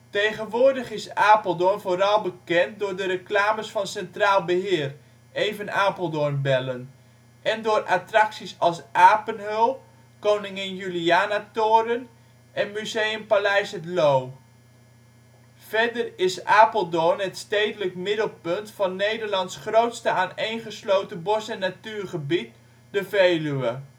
Tegenwoordig is Apeldoorn vooral bekend door de reclames van Centraal Beheer (" even Apeldoorn bellen ") en door attracties als Apenheul, Koningin Julianatoren en museum Paleis het Loo. Verder is Apeldoorn het stedelijk middelpunt van Nederlands grootste aaneengesloten bos - en natuurgebied, de Veluwe